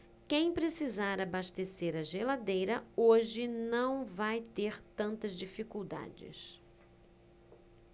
quem precisar abastecer a geladeira hoje não vai ter tantas dificuldades